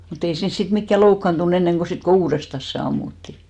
mutta ei siinä sitten mikään loukkaantunut ennen kuin sitten kun uudestaan se ammuttiin